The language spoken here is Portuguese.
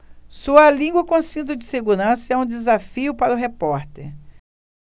sua língua com cinto de segurança é um desafio para o repórter